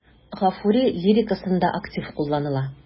Гафури лирикасында актив кулланыла.